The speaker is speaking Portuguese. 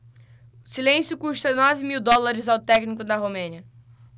silêncio custa nove mil dólares ao técnico da romênia